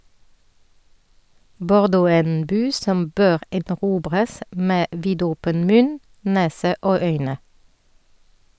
Bordeaux er en by som bør erobres med vidåpen munn, nese og øyne.